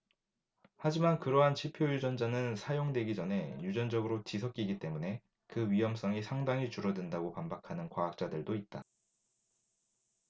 하지만 그러한 지표 유전자는 사용되기 전에 유전적으로 뒤섞이기 때문에 그 위험성이 상당히 줄어든다고 반박하는 과학자들도 있다